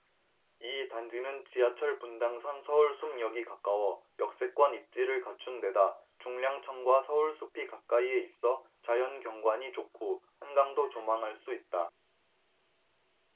이 단지는 지하철 분당선 서울숲역이 가까워 역세권 입지를 갖춘 데다 중랑천과 서울숲이 가까이에 있어 자연경관이 좋고 한강도 조망할 수 있다